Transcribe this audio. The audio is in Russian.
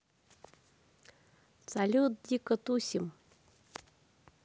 салют дико тусим